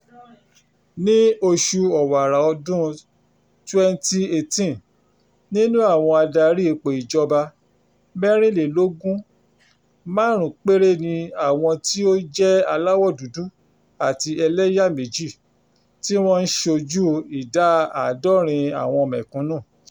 Ní oṣù Ọ̀wàrà ọdún 2018, nínú àwọn adarí ipò ìjọba 24, márùn-ún péré ni àwọn tí ó jẹ́ aláwọ̀ dúdú àti elẹ́yà-méjì, tí wọ́n ń ṣojú ìdá 70 àwọn mẹ̀kúnù.